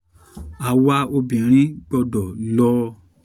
Àwọn Obìnrin Gbọdọ̀ Lò Ó